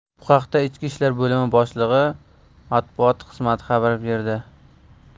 bu haqda ichki ishlar boimi boshlig matbuot xizmati xabar berdi